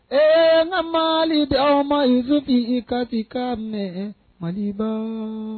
Ɛɛ mali di aw ma i su bi i ka di ka mɛn mali ba